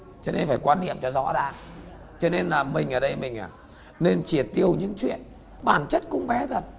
cho nên phải quan niệm cho rõ đã cho nên là mình ở đây mình à nên triệt tiêu những chuyện bản chất cũng bé thật